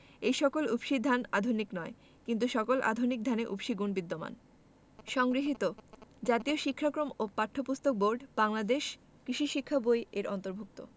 তাই সকল উফশী ধান আধুনিক নয় কিন্তু সকল আধুনিক ধানে উফশী গুণ বিদ্যমান জাতীয় শিক্ষাক্রম ওপাঠ্যপুস্তক বোর্ড বাংলাদেশ কৃষি শিক্ষা বই এর অন্তর্ভুক্ত